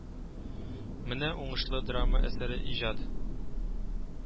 Менә уңышлы драма әсәре иҗат